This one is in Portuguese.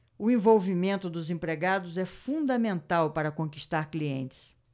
o envolvimento dos empregados é fundamental para conquistar clientes